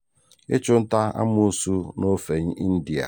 Ịchụnta amoosu n'ofe India.